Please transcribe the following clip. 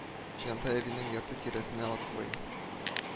Җантай әбинең йорты тирәсенә атлый